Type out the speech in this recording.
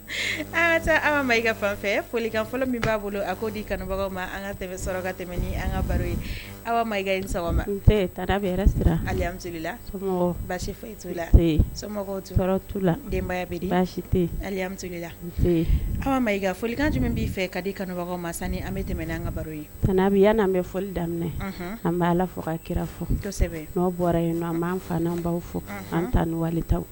I ka fɔlɔ min b'a bolo di kanu ma tɛmɛ tɛmɛ basi la denbaya i ka folikan jumɛn b'i fɛ ka di kanu ma an bɛ tɛmɛ an ka baro bɛ yan' an bɛ foli daminɛ an'a fɔ ka kira fɔ bɔra yen an b'an an baw fɔ an taa ni ta